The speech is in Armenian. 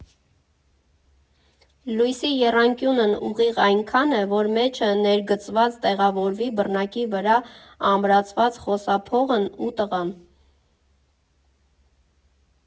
Լույսի եռանկյունն ուղիղ այնքան է, որ մեջը ներգծված տեղավորվի բռնակի վրա ամրացված խոսափողն ու տղան։